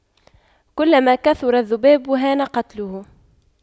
كلما كثر الذباب هان قتله